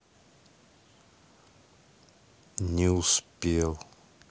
не успел